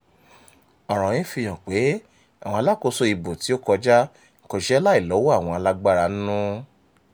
Ọ̀ràn yìí fi hàn pé àwọn alákòóso ìbò tí ó kọjá kò ṣiṣẹ́ láì lọ́wọ́ àwọn alágbára ń'nú.